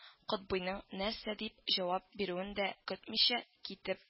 Котбыйның нәрсә дип җавап бирүен дә көтмичә, китеп